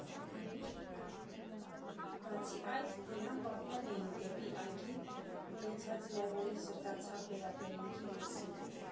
Բացի այդ, նրան պատմել էին դեպի այգին ունեցած Լևոնի սրտացավ վերաբերմունքի մասին։